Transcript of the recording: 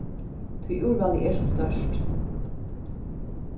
tí úrvalið er so stórt